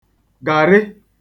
gàrị